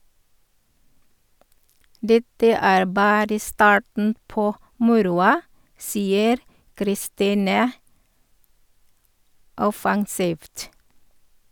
- Dette er bare starten på moroa, sier Kristine offensivt.